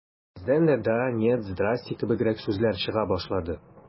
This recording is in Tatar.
Бездән дә «да», «нет», «здрасте» кебегрәк сүзләр чыга башлады.